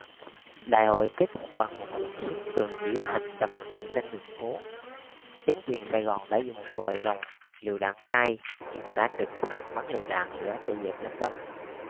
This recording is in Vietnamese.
đại hội kết thúc bằng một cuộc xuống đường diễu hành rầm rộ trên đường phố chính quyền sài gòn đã dùng vòi rồng lựu đạn cay dùng cả trực thăng bắn lựu đạn lửa để dẹp đám đông